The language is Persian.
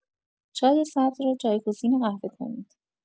چای سبز را جایگزین قهوه کنید.